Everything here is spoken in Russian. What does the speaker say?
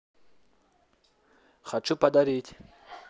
хочу подарить